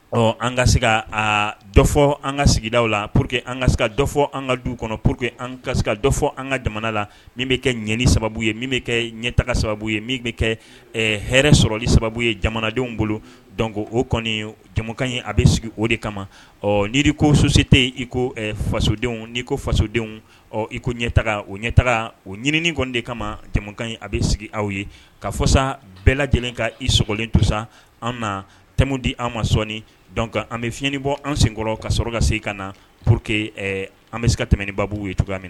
Ɔ an ka se dɔ fɔ an ka sigida la po que an ka ka dɔ fɔ an ka du kɔnɔ pour que an ka dɔ fɔ an ka jamana la min bɛ kɛ ɲani sababu ye min bɛ kɛ ɲɛtaa sababu ye min bɛ kɛ hɛrɛɛ sɔrɔli sababu ye jamanadenw bolo dɔn ko o kɔni jamukan ye a bɛ sigi o de kama ɔ niri ko so se tɛ yen i ko fasodenw n'i ko fasodenw ɔ iko ɲɛ taga o ɲɛ taga o ɲinin kɔni de kamakan ye a bɛ sigi aw ye ka fɔsa bɛɛ lajɛlen ka i sogolen tu sa an na tɛmɛ di an ma sɔɔni dɔn kan an bɛ fiɲɛani bɔ an senkɔrɔ ka sɔrɔ ka se ka na po que an bɛ tɛmɛn baa ye cogoya min